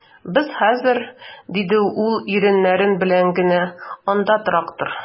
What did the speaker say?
Без хәзер, - диде ул иреннәре белән генә, - анда трактор...